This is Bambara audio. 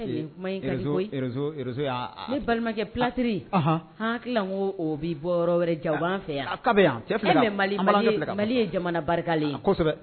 Kɛ o bɔ fɛ jamana barika